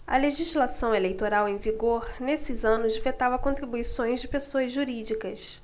a legislação eleitoral em vigor nesses anos vetava contribuições de pessoas jurídicas